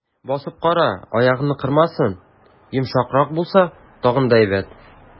Басып кара, аягыңны кырмасын, йомшаграк булса, тагын да әйбәт.